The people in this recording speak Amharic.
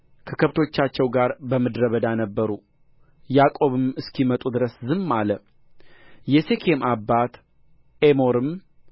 ከከብቶቻቸው ጋር በምድረ በዳ ነበሩ ያዕቆብም እስኪመጡ ድረስ ዝም አለ የሴኬም አባት ኤሞርም